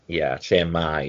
Ie lle mae?